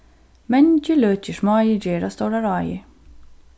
mangir løkir smáir gera stórar áir